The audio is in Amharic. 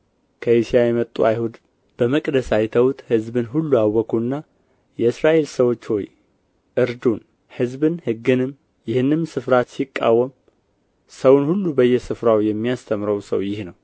ከእስያ የመጡ አይሁድ በመቅደስ አይተውት ሕዝብን ሁሉ አወኩና የእስራኤል ሰዎች ሆይ እርዱን ሕዝብን ሕግንም ይህንም ስፍራ ሲቃወም ሰውን ሁሉ በየስፍራው የሚያስተምረው ሰው ይህ ነው